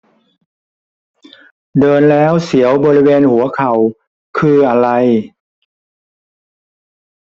เดินแล้วเสียวบริเวณหัวเข่าคืออะไร